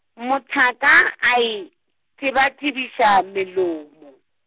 mothaka a i-, thebathebiša melomo.